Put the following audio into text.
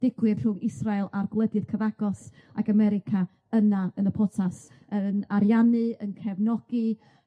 digwydd rhwng Israel a'r gwledydd cyfagos ac America yna yn y potas yn ariannu, yn cefnogi